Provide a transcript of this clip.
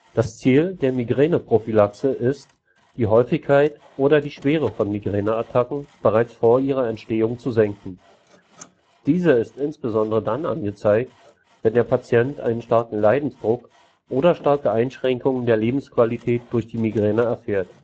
Das Ziel der Migräneprophylaxe ist, die Häufigkeit oder die Schwere von Migräneattacken bereits vor ihrer Entstehung zu senken. Diese ist insbesondere dann angezeigt, wenn der Patient einen starken Leidensdruck oder starke Einschränkungen der Lebensqualität durch die Migräne erfährt